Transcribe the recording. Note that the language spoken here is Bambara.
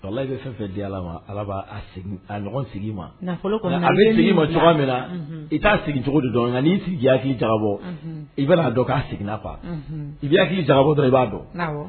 I bɛ fɛn di ma ala b'a ma a bɛ ma cogo min na i ta sigi cogo dɔn sigiya k'i jabɔ ia dɔn k'a sigifa i k'i jabɔ dɔn i b'a dɔn